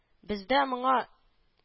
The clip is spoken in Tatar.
Бездә моңа